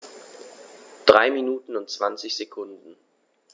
3 Minuten und 20 Sekunden